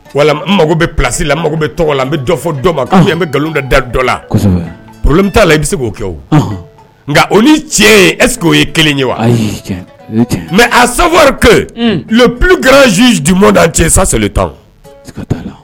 Wa mago bɛ plasila mago bɛ tɔgɔ la n bɛ dɔ fɔ dɔ ma bɛ nkalon da da dɔ la p bɛ t' la i bɛ se k'o kɛ nka o ni cɛ ye ɛsseke oo ye kelen ye wa mɛ a sabaliri ke p graz ju da cɛ sa seli tan